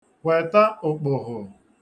wèta okpogho